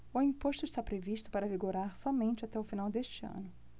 o imposto está previsto para vigorar somente até o final deste ano